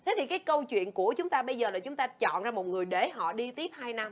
thế thì cái câu chuyện của chúng ta bây giờ là chúng ta chọn ra một người để họ đi tiếp hai năm